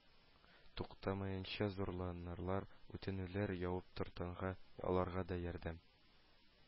Туктамаенча зарланулар, үтенүләр явып торганга, аларга да ярдәм